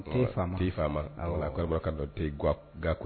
Ko fa bi faama ka dɔ tɛ ga